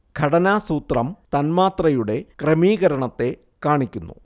ഘടനാസൂത്രം തന്മാത്രയുടെ ക്രമീകരണത്തെ കാണിക്കുന്നു